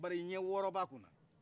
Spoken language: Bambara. bari ɲɛ wɔɔrɔ b'a kunna